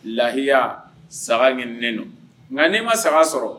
Lahiya saga ɲinini don nka n'i ma saga sɔrɔ